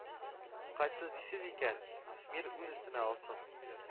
Кайтсын дисез икән, мир үз өстенә алсын